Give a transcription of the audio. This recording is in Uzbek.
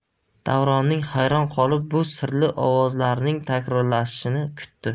davron hayron qolib bu sirli ovozlarning takrorlanishini kutdi